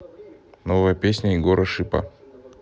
новая песня егора шипа